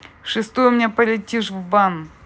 шестой у меня полетишь в бан